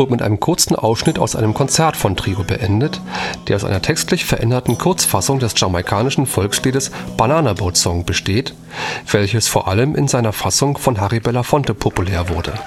kurzen Ausschnitt aus einem Konzert von Trio beendet, der aus einer textlich veränderte Kurzfassung des jamaikanischen Volksliedes Banana Boat Song besteht, welches vor allem in einer Fassung von Harry Belafonte populär wurde